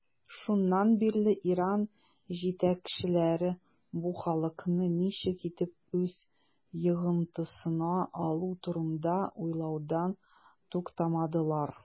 Шуннан бирле Иран җитәкчеләре бу халыкны ничек итеп үз йогынтысына алу турында уйлаудан туктамадылар.